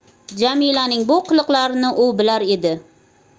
jamilaning bu qiliqlarini u bilar edi